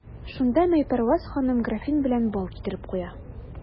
Шунда Майпәрвәз ханым графин белән бал китереп куя.